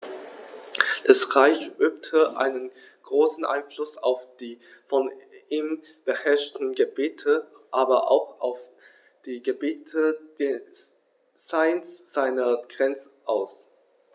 Das Reich übte einen großen Einfluss auf die von ihm beherrschten Gebiete, aber auch auf die Gebiete jenseits seiner Grenzen aus.